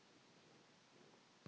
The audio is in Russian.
змея тайпан